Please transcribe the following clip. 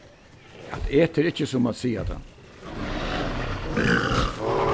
at eta er ikki sum at siga tað